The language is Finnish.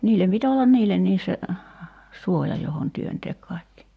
niille piti olla niillekin se suoja johon työntää kaikki